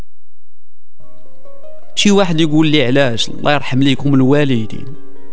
في واحد يقول لي علاج الله يرحم لكم الوالدين